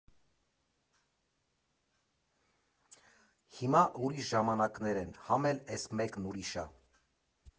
Հիմա ուրիշ ժամանակներ են, համ էլ էս մեկն ուրիշ ա։